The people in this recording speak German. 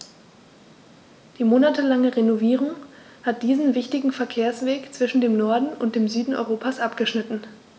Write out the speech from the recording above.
Die monatelange Renovierung hat diesen wichtigen Verkehrsweg zwischen dem Norden und dem Süden Europas abgeschnitten.